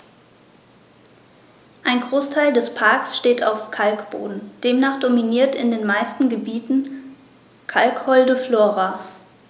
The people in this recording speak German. Ein Großteil des Parks steht auf Kalkboden, demnach dominiert in den meisten Gebieten kalkholde Flora.